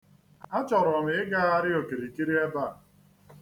Achọrọ m ịgagharị okirikiri ebea.